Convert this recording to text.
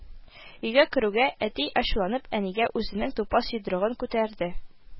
Өйгә керүгә, әти, ачуланып, әнигә үзенең тупас йодрыгын күтәрде